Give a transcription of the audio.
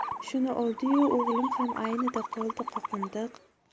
shuni oldi yu o'g'lim ham aynidi qoldi qoqindiq